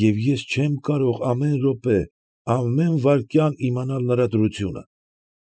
Եվ ես չեմ կարող ամեն րոպե, ամեն վայրկյան իմանալ նրա դրությունը։